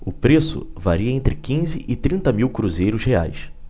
o preço varia entre quinze e trinta mil cruzeiros reais